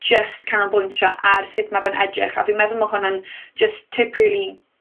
jyst canolbwyntio ar sut ma' fe'n edrych. A fi meddwl ma' hwnna'n jyst tip rili